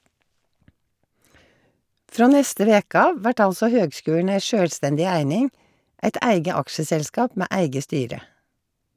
Frå neste veke av vert altså høgskulen ei sjølvstendig eining, eit eige aksjeselskap med eige styre.